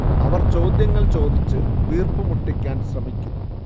അവർ ചോദ്യങ്ങൾ ചോദിച്ച് വീര്‍പ്പ് മുട്ടിക്കാൻ ശ്രമിക്കുന്നു